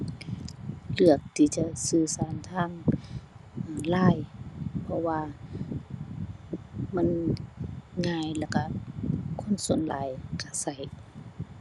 เลือกที่จะสื่อสารทาง อ่า LINE เพราะว่ามันง่าย แล้วก็คนส่วนหลายก็ก็